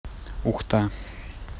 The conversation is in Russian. ухта